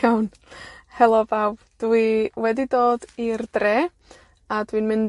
Iawn. Helo Bawb, dwi wedi dod i'r dre a dwi'n mynd